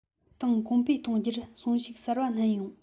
ཏང གོང འཕེལ གཏོང རྒྱུར གསོན ཤུགས གསར པ བསྣན ཡོང